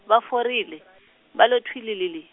va forile, va lo thwililii.